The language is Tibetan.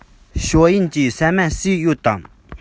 ཞའོ ཡན གྱིས ཟ མ ཟོས ཡོད དམ